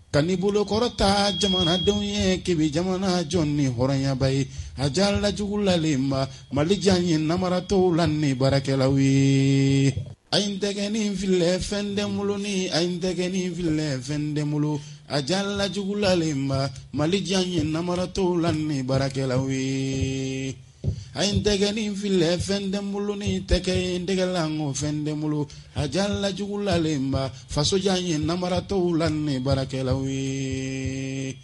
Ka bolokɔrɔta jamanadenw ye kɛmɛ jamana jɔn ni hɔrɔnyaba ye a jalalaj jugulalenba malijan ye namara tɔw la ni baarakɛla ye a ye tɛ fili fɛn den boloin a tɛ nin fili fɛn den bolo a jalala jugulalenba malijan ye naratɔ la ni baarakɛla ye a ye tɛnen fili fɛn den bolo ni tɛgɛ in n tɛgɛlakɔ fɛn den bolo a jalalajugulalen inba fasojan ye naratɔ la ni baarakɛla ye